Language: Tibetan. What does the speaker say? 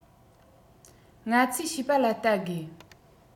ང ཚོས བྱིས པ ལ བལྟ དགོས